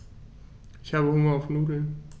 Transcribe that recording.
Ich habe Hunger auf Nudeln.